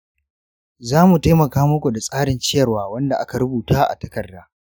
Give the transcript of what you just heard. za mu taimaka muku da tsarin ciyarwa wanda aka rubuta a takarda.